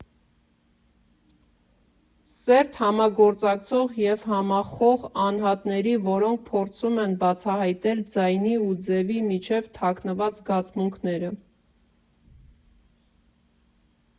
Սերտ համագործակցող և համախոհ անհատների, որոնք փորձում են բացահայտել ձայնի ու ձևի միջև թաքնված զգացմունքները։